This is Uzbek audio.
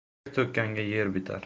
ter to'kkanga yer bitar